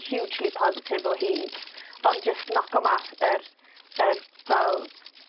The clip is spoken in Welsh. hugely positif o hyd, ond jyst noco mas yr yr fel